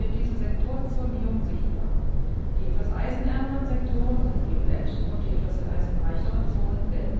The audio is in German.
diese Sektorzonierung sichtbar. Die etwas eisenärmeren Sektoren sind violett und die etwas eisenreicheren Zonen gelb